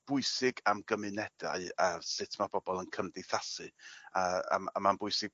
bwysig am gymunedau a sut ma' pobol yn cymdeithasu a a m- a ma'n bwysig